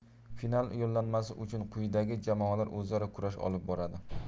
final yo'llanmasi uchun quyidagi jamoalar o'zaro kurash olib boradi